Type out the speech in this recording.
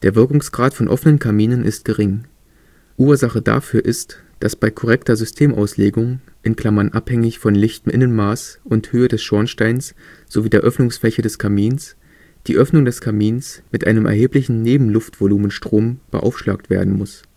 Wirkungsgrad von offenen Kaminen ist gering. Ursache dafür ist, dass bei korrekter Systemauslegung (abhängig von lichtem Innenmaß und Höhe des Schornsteins sowie der Öffnungsfläche des Kamins) die Öffnung des Kamins mit einem erheblichen Nebenluftvolumenstrom beaufschlagt werden muss